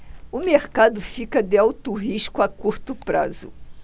o mercado fica de alto risco a curto prazo